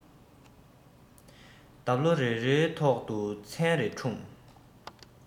འདབ ལོ རེ རེའི ཐོག ཏུ མཚན རེ འཁྲུངས